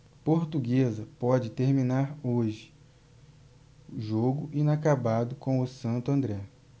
portuguesa pode terminar hoje jogo inacabado com o santo andré